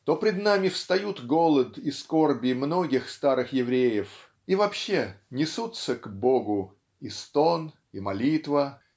то пред нами встают голод и скорби многих старых евреев и вообще несутся к Богу и стон и молитва